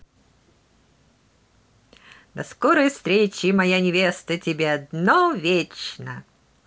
до скорой встречи моя невеста тебе одно вечно